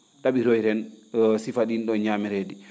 ?a?iroyren o sifa ?iin ?oon ñamereeji